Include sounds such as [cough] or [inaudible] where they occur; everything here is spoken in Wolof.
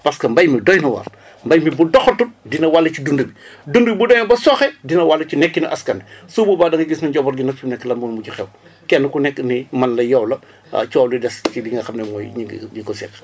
parce que mbéy mi doy na waar mbéy mi bu doxatut dina wàll ci dund bi [breath] dund bi bu demee ba sooxe dina wàll ci nekkinu askan wi [breath] su boobaa da ngay gis ne njaboot gi nag fi mu nekk lan moo mun ci xew kenn ku nekk ni man la yow la waa coow li des ci li nga xam ne mooy ñu ngi ñi ko seq